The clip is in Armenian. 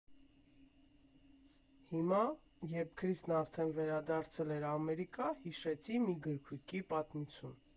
Հետո, երբ Քրիսն արդեն վերադարձել էր Ամերիկա, հիշեցի մի գրքույկի պատմություն։